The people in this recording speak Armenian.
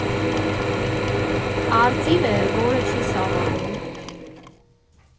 Արծիվ է, որը չի սավառնում։